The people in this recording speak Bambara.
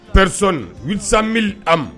Preritiɔni bi sa mi a ma